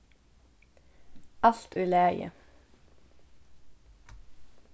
alt í lagi